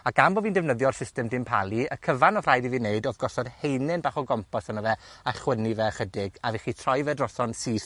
Ac am bo' fi'n defnyddio'r system dim palu, y cyfan odd rhaid i fi neud odd gosod haenen bach o gompos ano fe, a chwyni fe chydig. A nes i troi fe droso'n syth,